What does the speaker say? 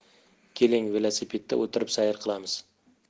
keling velosipedda o'tirib sayr qilamiz